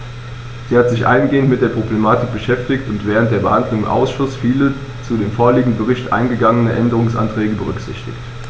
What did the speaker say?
Sie hat sich eingehend mit der Problematik beschäftigt und während der Behandlung im Ausschuss viele zu dem vorliegenden Bericht eingegangene Änderungsanträge berücksichtigt.